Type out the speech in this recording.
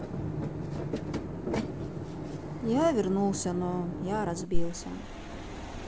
я вернулся но я разбился